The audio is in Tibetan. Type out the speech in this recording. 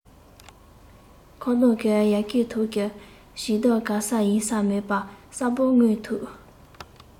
ཁམ སྡོང གི ཡལ གའི ཐོག གི བྱིའུ དག གབ ས ཡིབ ས མེད པར གསལ པོར མངོན ཐུབ